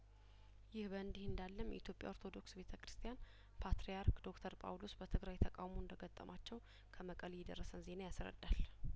ይህ በእንዲህ እንዳለም የኢትዮጵያ ኦርቶዶክስ ቤተ ክርስቲያን ፓትርያርክ ዶክተር ጳውሎስ በትግራይ ተቃውሞ እንደገጠማቸው ከመቀሌ የደረሰን ዜና ያስረዳል